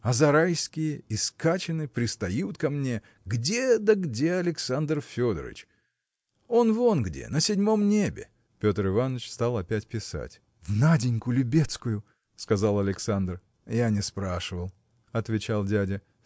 А Зарайские и Скачины пристают ко мне: где да где Александр Федорыч? он вон где – на седьмом небе! Петр Иваныч стал опять писать. – В Наденьку Любецкую! – сказал Александр. – Я не спрашивал – отвечал дядя